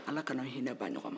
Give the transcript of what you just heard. ala kan'aw hinɛ ban ɲɔgɔn na